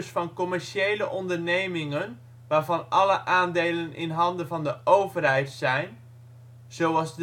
van commerciële ondernemingen waarvan alle aandelen in handen van de overheid zijn, zoals